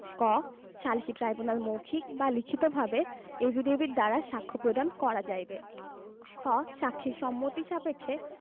ক সালিসী ট্রাইব্যুনাল মৌখিক বা লিখিতভাবে বা এফিডেভিট দ্বারা সাখ্য প্রদান করা যাইবে খ সাক্ষীর সম্মতি সাপেক্ষে